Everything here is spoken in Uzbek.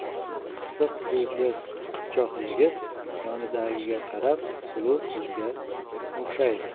qisiq ko'zli qipchoq yigit yonidagiga qarab suluv qizga o'xshaydi